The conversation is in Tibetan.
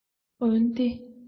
འོན ཏེ